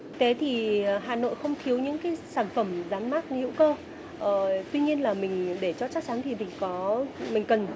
thế thì hà nội không thiếu những cái sản phẩm dán mác hữu cơ tuy nhiên là mình để cho chắc chắn thì mình có mình cần